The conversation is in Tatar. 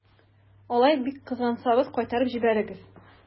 Алай бик кызгансагыз, кайтарып җибәрегез.